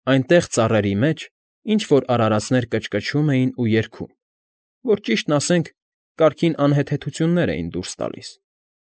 Այնտեղ, ծառերի մեջ, ինչ֊որ արարածներ կչկչում էին ու երգում և, որ ճիշտն ասենք, կարգին անհեթեթություններ էին դուրս տալիս։